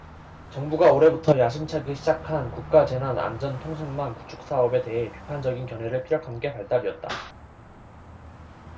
정부가 올해부터 야심차게 시작한 국가재난안전통신망 구축사업에 대해 비판적인 견해를 피력한 게 발단이었다